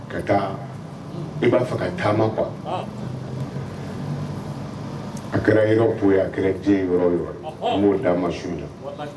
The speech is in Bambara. Ka taa i b'a fɛ ka taama quoi a kɛra Europe ye a kɛra diɲɛ yɔrɔo yɔrɔ.